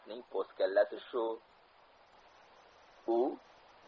gapning po'stkallasi shu